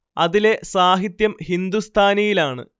അതിലെ സാഹിത്യം ഹിന്ദുസ്ഥാനിയിലാണ്